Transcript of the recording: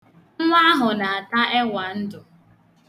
Nwa ahụ na-ata ẹwa ndụ.